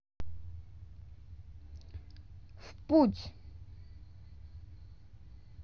в путь